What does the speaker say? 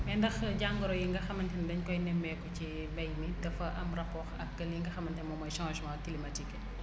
mais ndax jangoro yi nga xamante ni dañ koy nemmeeku ci mbey mi dafa am rapport ak li nga xamante ne moom mooy changement climatique yi